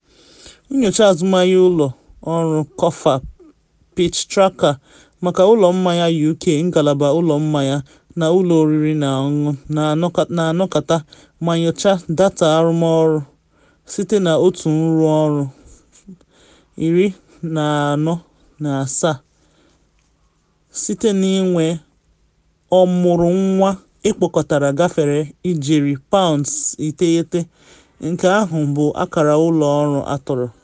Nyocha azụmahịa ụlọ ọrụ Coffer Peach Tracker maka ụlọ mmanya UK, ngalaba ụlọ mmanya na ụlọ oriri na ọṅụṅụ na anakọta ma nyochaa data arụmọrụ site na otu nrụọrụ 47, site na ịnwe ọmụrụnwa ekpokọtara gafere ijeri £9, nke ahụ bụ akara ụlọ ọrụ atọrọ.